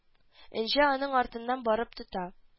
Энҗе аның артыннан барып тота